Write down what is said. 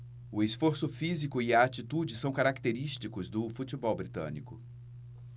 o esforço físico e a atitude são característicos do futebol britânico